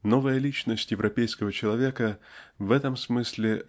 Новая личность европейского человека в этом смысле